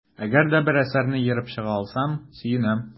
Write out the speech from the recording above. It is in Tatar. Әгәр дә бер әсәрне ерып чыга алсам, сөенәм.